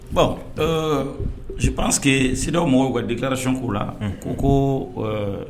Bon euh je pense que CDEAO mɔgɔw y'u ka déclaration k'o la unhun u ko koo ɛɛ